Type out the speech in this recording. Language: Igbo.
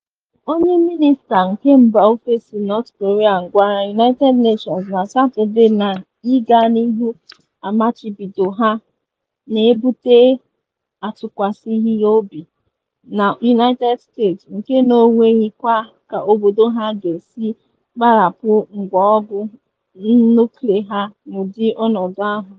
Onye Mịnịsta nke mba ofesi North Korea gwara United Nations na Satọde na ịga n’ihu amachibido ha na-ebute atụkwasịghị obi na United State nke na ọ nweghịkwa ka obodo ha ga-esi gbarapụ ngwa ọgụ nuklịa ha n’ụdị ọnọdụ ahụ.